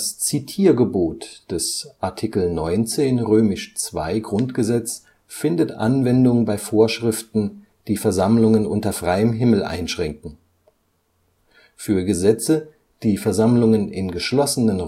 Zitiergebot des Art. 19 II GG findet Anwendung bei Vorschriften, die Versammlungen unter freiem Himmel einschränken. Für Gesetze, die Versammlungen in geschlossenen